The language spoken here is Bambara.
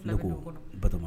Ne ko Batɔma